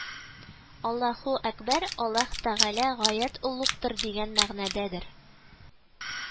Әллааһү әкбәр Аллаһы Тәгалә гаять олугдыр дигән мәгънәдәдер